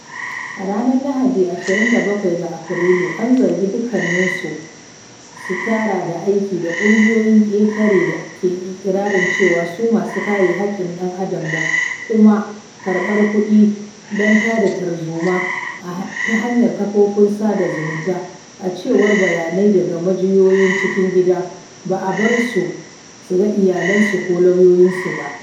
A ranar Lahadi, 27 ga Afrilu, an zargi dukkaninsu su tara da aiki da ƙungiyoyin ƙetare da ke iƙirarin cewa su masu kare haƙƙin ɗan Adam da kumaa karɓar kuɗi don ta da tarzoma ta hanyar kafofin sada zumunta. A cewar bayanai daga majiyoyin cikin gida, ba a bar su, su ga iyalansu ko lauyoyinsu ba.